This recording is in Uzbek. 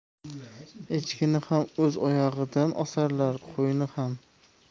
echkini ham o'z oyog'idan osarlar qo'yni ham